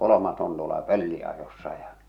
kolmas on tuolla pölliajossa ja